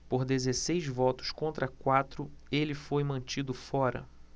por dezesseis votos contra quatro ele foi mantido fora